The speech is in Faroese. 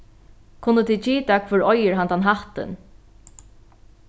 kunnu tit gita hvør eigur handan hattin